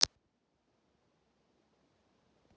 три кота раскраска